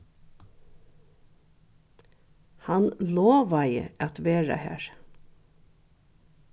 hann lovaði at vera har